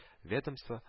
Ведомство